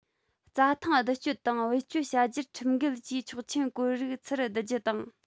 རྩྭ ཐང བསྡུ སྤྱོད དང བེད སྤྱོད བྱ རྒྱུར ཁྲིམས འགལ གྱིས ཆོག མཆན བཀོད རིགས ཚུར བསྡུ རྒྱུ དང